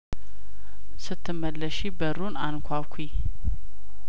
ስትመለሺ በሩን አንኳኲ